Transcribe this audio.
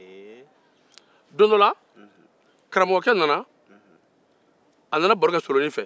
don dɔ la karamɔgɔkɛ nana baro kɛ solonin fɛ